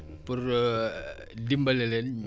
pour dimable leen